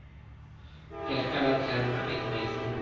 erkalatganini aytmaysizmi